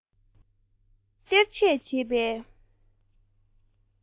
རྒད མོ ང ལ སྟེར ཆད བྱེད པའི